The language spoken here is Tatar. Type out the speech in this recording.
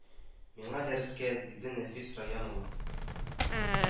Миңа дәрескә, диде Назиф Раян улы